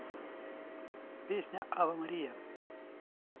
песня ave maria